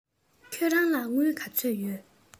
ཁྱེད རང ལ དངུལ ག ཚོད ཡོད